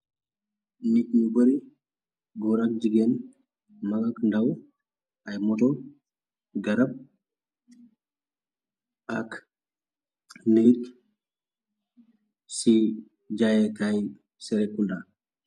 Nit ñu bari góorak jigeen magag ndaw ay moto garab ak neit ci jaayekaay serekunda.